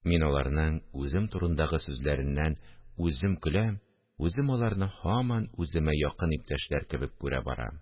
Мин аларның үзем турындагы сүзләреннән үзем көләм, үзем аларны һаман үземә якын иптәшләр кебек күрә барам